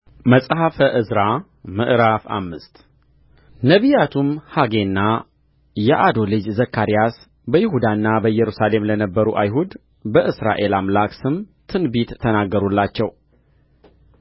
መጽሐፈ ዕዝራ ምዕራፍ አምስት ነቢያቱም ሐጌና የአዶ ልጅ ዘካርያስ በይሁዳና በኢየሩሳሌም ለነበሩ አይሁድ በእስራኤል አምላክ ስም ትንቢት ተናገሩላቸው